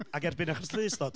Ac erbyn i'r achos llys ddod.